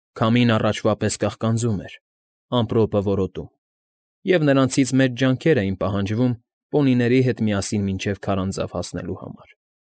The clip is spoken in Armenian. Քամին առաջվա պես կաղկանձում էր, ամպրոպը որոտում, և նրանցից մեծ ջանքեր էին պահանջվում պոնիների հետ միասին մինչև քարանձավ հասնելու համար։